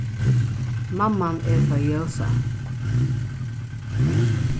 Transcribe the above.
mamman er frá ljósá